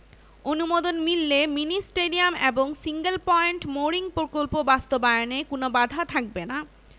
অনুমোদন মিললে mini stadium এবং সিঙ্গেল পয়েন্ট মোরিং প্রকল্প বাস্তবায়নে কোনো বাধা থাকবে না